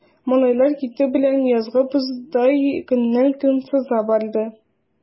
Малайлар китү белән, язгы боздай көннән-көн сыза барды.